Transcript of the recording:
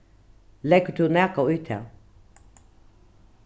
leggur tú nakað í tað